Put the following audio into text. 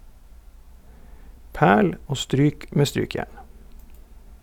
Perl, og stryk med strykejern.